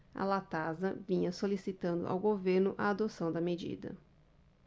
a latasa vinha solicitando ao governo a adoção da medida